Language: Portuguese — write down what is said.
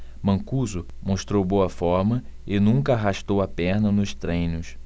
mancuso mostrou boa forma e nunca arrastou a perna nos treinos